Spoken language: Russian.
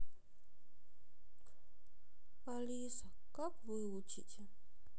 алиса как выучить